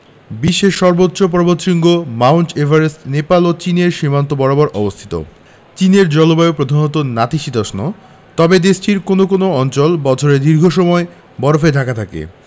বিশ্বের সর্বোচ্চ পর্বতশৃঙ্গ মাউন্ট এভারেস্ট নেপাল ও চীনের সীমান্ত বরাবর অবস্থিত চীনের জলবায়ু প্রধানত নাতিশীতোষ্ণ তবে দেশটির কোনো কোনো অঞ্চল বছরের দীর্ঘ সময় বরফে ঢাকা থাকে